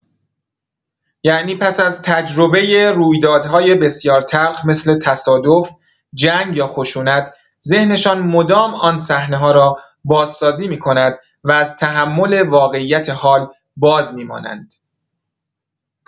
یعنی پس از تجربه رویدادهای بسیار تلخ مثل تصادف، جنگ یا خشونت، ذهنشان مدام آن صحنه‌ها را بازسازی می‌کند و از تحمل واقعیت حال بازمی‌مانند.